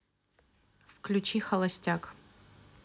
включи холостяк